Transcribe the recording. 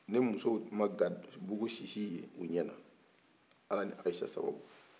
ne musow ma gabugu sisi ye u ɲɛ na ala ni ayise sababu